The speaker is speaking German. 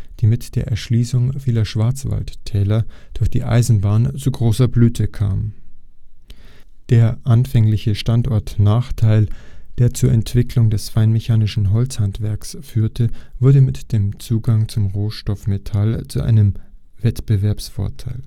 die mit der Erschließung vieler Schwarzwaldtäler durch die Eisenbahn zu großer Blüte kam. Der anfängliche Standortnachteil, der zur Entwicklung des feinmechanischen Holzhandwerks führte, wurde mit dem Zugang zum Rohstoff Metall zu einem Wettbewerbsvorteil